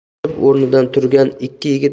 cho'chib o'rnidan turgan ikki yigit